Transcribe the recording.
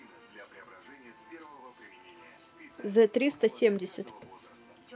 зэ триста семьдесят